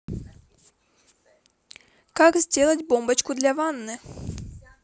как сделать бомбочку для ванны